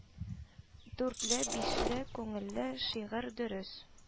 «дүрт»ле («биш»ле), күңелле, шигырь, дөрес,